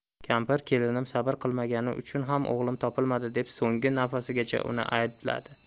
kampir kelinim sabr qilmagani uchun ham o'g'lim topilmadi deb to so'nggi nafasigacha uni aybladi